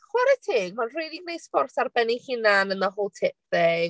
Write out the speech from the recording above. Chwarae teg mae'n rili wneud sbort ar ben ei hunain, and the whole tit thing.